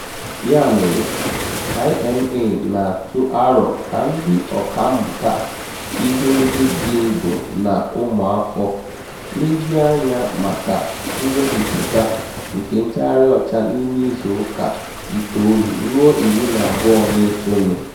Ya mere, IMA na-atụ aro ka ndị ọkàmmụta ihe ndị dị ndụ ma ụmụafọ lezie anya maka ngosipụta nke nchaghari ọcha n'ime izuụka itoolu ruo iri na abụọ na-esonu.